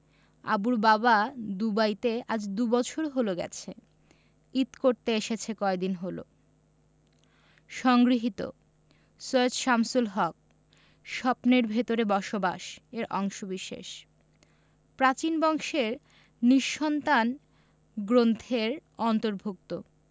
আবুর বাবা দুবাইতে আজ দুবছর হলো গেছে ঈদ করতে এসেছে কয়দিন হলো সংগৃহীত সৈয়দ শামসুল হক স্বপ্নের ভেতরে বসবাস এর অংশবিশেষ প্রাচীন বংশের নিঃসন্তান গ্রন্থের অন্তর্ভুক্ত